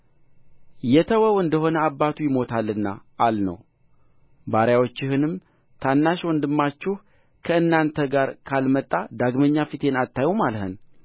የተወው እንደ ሆነ አባቱ ይሞታልና አልነው ባርያዎችህንም ታናሽ ወንድማችሁ ከእናንተ ጋር ካልመጣ ዳግመኛ ፊቴን አታዩም አልኽን